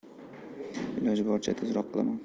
iloji boricha tezroq qilaman